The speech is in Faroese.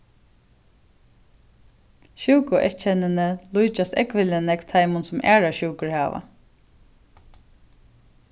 sjúkueyðkennini líkjast ógvuliga nógv teimum sum aðrar sjúkur hava